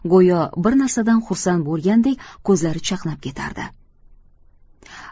go'yo bir narsadan xursand bo'lgandek ko'zlari chaqnab ketardi